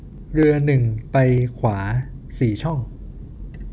เรือหนึ่งไปขวาสี่ช่อง